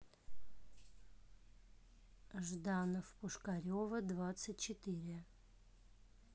жданов пушкарева двадцать четыре